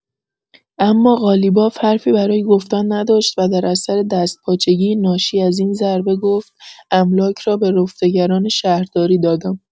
اما قالیباف حرفی برای گفتن نداشت ودر اثر دستپاچگی ناشی از این ضربه گفت: «املاک را به رفتگران شهرداری دادم».